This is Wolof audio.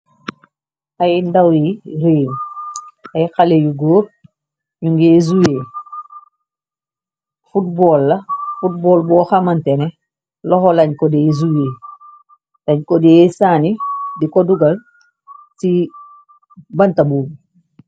Ay ndaw yi reew, ay xale yu góor yu ngi zouuye, futbool la, futbool bo xamante ne loxo lañ ko die zouuye, dañ ko die saani di ko dugal ci bantabuub.